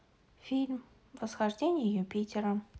фильм восхождение юпитер